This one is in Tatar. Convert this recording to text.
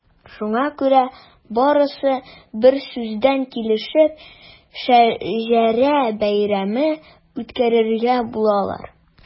Шуңа күрә барысы берсүздән килешеп “Шәҗәрә бәйрәме” үткәрергә булалар.